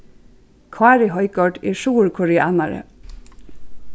kári højgaard er suðurkoreanari